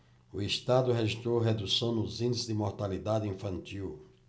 o estado registrou redução nos índices de mortalidade infantil